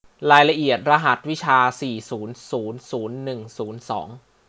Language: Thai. รายละเอียดรหัสวิชาสี่ศูนย์ศูนย์ศูนย์หนึ่งศูนย์สอง